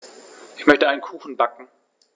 Ich möchte einen Kuchen backen.